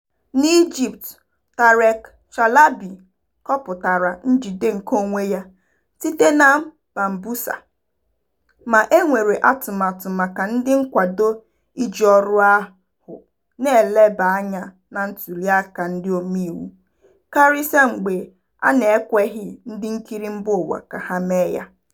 N'Egypt Tarek Shalaby kọpụtara njide nke onwe ya site na Bambuser, ma e nwere atụmatụ maka ndị nkwado iji ọrụ ahụ na-eleba anya na ntuliaka ndị omeiwu karịchaa mgbe a n'ekweghị ndị nkiri mbaụwa ka ha mee ya.